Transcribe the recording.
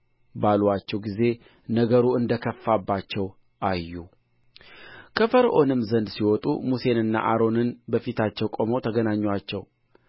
ባሉአቸው ጊዜ ነገሩ እንደ ከፋባቸው አዩ ከፈርዖንም ዘንድ ሲወጡ ሙሴንና አሮንን በፊታቸው ቆመው ተገናኙአቸው